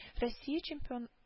Россия чемпион